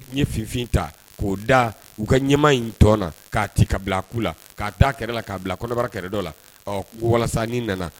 U ye ffin ta k'o da u ka ɲɛma in tɔ k'a ci kabila ku la k'a da kɛrɛfɛ la k'a bila kɔnɔbara kɛrɛfɛ dɔ la ɔ walasanin nana